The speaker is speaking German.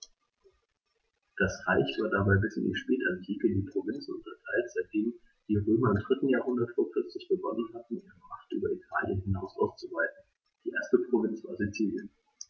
Das Reich war dabei bis in die Spätantike in Provinzen unterteilt, seitdem die Römer im 3. Jahrhundert vor Christus begonnen hatten, ihre Macht über Italien hinaus auszuweiten (die erste Provinz war Sizilien).